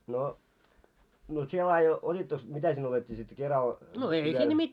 no no sinä laadi otittekos mitä sinne otettiin sitten keralla vielä